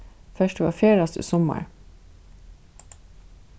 fert tú at ferðast í summar